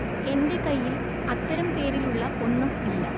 എന്റെ കയ്യിൽ അത്തരം പേരിലുള്ള ഒന്നും ഇല്ല